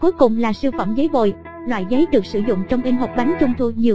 và cuối cùng là siêu phẩm giấy bồi loại giấy được sử dụng trong in hộp bánh trung thu nhiều nhất